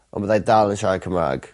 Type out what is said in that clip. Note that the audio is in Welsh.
On' byddai dal yn siarad Cymra'g.